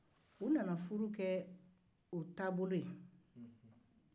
u nana furu kɛ u taabolo ye